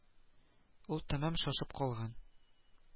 Ул тәмам шашып калган